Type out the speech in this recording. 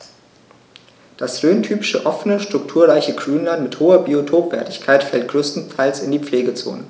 Das rhöntypische offene, strukturreiche Grünland mit hoher Biotopwertigkeit fällt größtenteils in die Pflegezone.